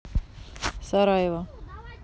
сараево